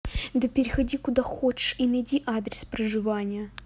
да переходи куда хочешь и найди адрес проживания